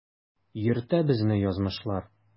Йөртә безне язмышлар.